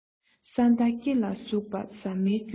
ས མདའ སྐེ ལ ཟུག པ ཟ མའི སྐྱོན